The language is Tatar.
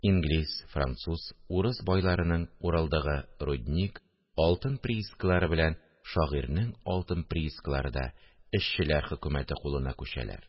Инглиз, француз, урыс байларының Уралдагы рудник, алтын приискалары белән «Шагыйрьнең алтын приискалары» да эшчеләр хөкүмәте кулына күчәләр